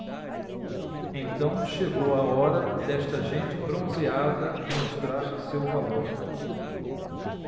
então chegou a hora desta gente bronzeada mostrar seu valor